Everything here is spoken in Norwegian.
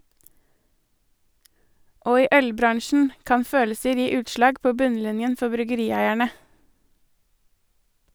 Og i øl-bransjen kan følelser gi utslag på bunnlinjen for bryggerieierne.